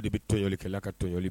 Bɛ tojɔli kɛ ka toli